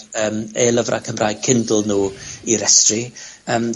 ...yym e-lyfra Cymraeg Kindle nw i restru. Yym,